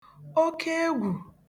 okeegwù